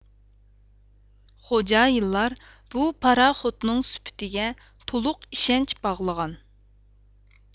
خوجايىنلار بۇ پاراخوتنىڭ سۈپىتىگە تولۇق ئىشەنچ باغلىغان